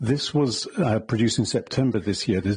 This was a- produced in September this year.